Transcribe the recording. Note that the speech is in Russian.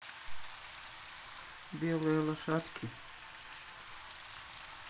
белые лошадки